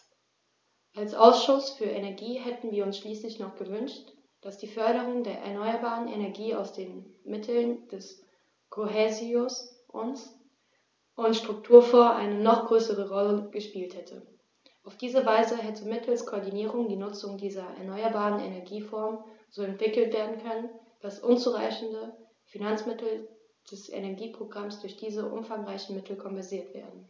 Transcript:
Als Ausschuss für Energie hätten wir uns schließlich noch gewünscht, dass die Förderung der erneuerbaren Energien aus den Mitteln des Kohäsions- und Strukturfonds eine noch größere Rolle gespielt hätte. Auf diese Weise hätte mittels Koordinierung die Nutzung dieser erneuerbaren Energieformen so entwickelt werden können, dass unzureichende Finanzmittel des Energieprogramms durch diese umfangreicheren Mittel kompensiert werden.